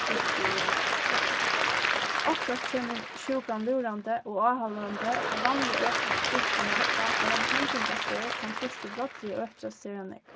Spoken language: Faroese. trýstið í eyganum oftast kemur sjúkan lúrandi og áhaldandi og vanliga økist trýstið nakað men hendingaferð kann trýstið brádliga økjast sera nógv